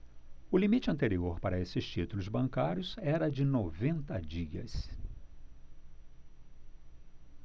o limite anterior para estes títulos bancários era de noventa dias